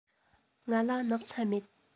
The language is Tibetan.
ང ལ སྣག ཚ མེད